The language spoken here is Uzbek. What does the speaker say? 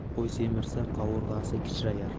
qo'y semirsa qovurg'asi kichrayar